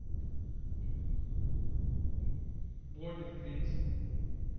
блогер принц